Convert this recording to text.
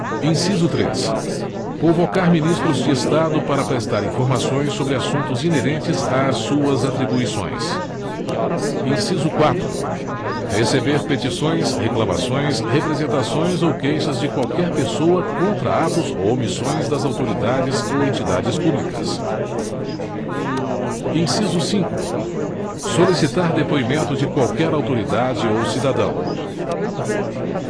inciso três convocar ministros de estado para prestar informações sobre assuntos inerentes a suas atribuições inciso quatro receber petições reclamações representações ou queixas de qualquer pessoa contra atos ou omissões das autoridades ou entidades públicas inciso cinco solicitar depoimento de qualquer autoridade ou cidadão